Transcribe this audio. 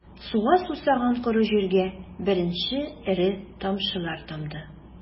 Суга сусаган коры җиргә беренче эре тамчылар тамды...